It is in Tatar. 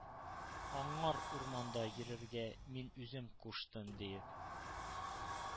Аңар урманда йөрергә мин үзем куштым, диеп.